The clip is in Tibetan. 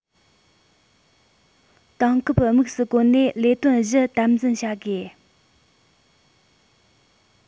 དེང སྐབས དམིགས སུ བཀོད ནས ལས དོན བཞི དམ འཛིན བྱ དགོས